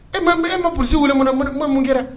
E e ma bilisi wele ma mun kɛra